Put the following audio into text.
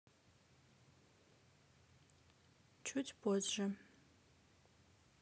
чуть позже